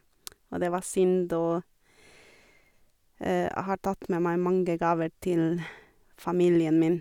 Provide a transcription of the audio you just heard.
Og det var synd, og jeg har tatt med meg mange gaver til familien min.